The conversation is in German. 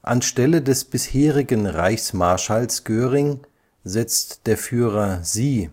Anstelle des bisherigen Reichsmarschalls Göring setzt der Führer Sie,